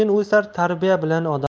o'sar tarbiya bilan odam